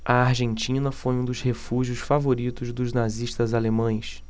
a argentina foi um dos refúgios favoritos dos nazistas alemães